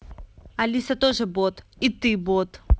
алиса тоже бот и ты бот